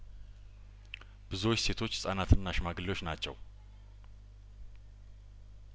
ብዙዎች ሴቶች ህጻናትና ሽማግሌዎች ናቸው